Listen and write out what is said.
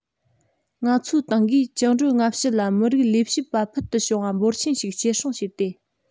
ང ཚོའི ཏང གིས བཅིངས འགྲོལ སྔ ཕྱི ལ མི རིགས ལས བྱེད པ ཕུལ དུ བྱུང བ འབོར ཆེན ཞིག སྐྱེད སྲིང བྱས ཏེ